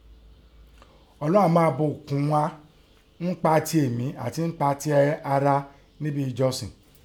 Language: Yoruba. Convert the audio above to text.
Ọlọ́un a máa bùkún a ńpa ti èmi àti ńpa tẹ ara nẹ ẹbi ẹ̀jọsìn.